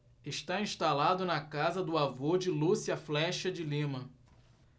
está instalado na casa do avô de lúcia flexa de lima